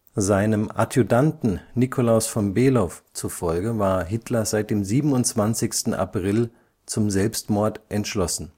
Seinem Adjutanten Nicolaus von Below zufolge war Hitler seit dem 27. April zum Selbstmord entschlossen